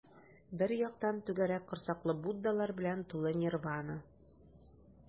Бер яктан - түгәрәк корсаклы буддалар белән тулы нирвана.